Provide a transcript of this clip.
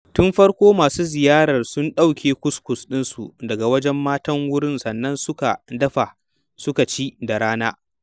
Tun da farko masu ziyarar sun ɗauke kuskus ɗinsu daga wajen matan wurin sannan suka dafa, suka ci da rana.